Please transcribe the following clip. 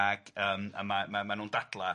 Ac yym a ma' ma' ma' nhw'n dadla.